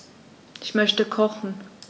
Ich möchte kochen.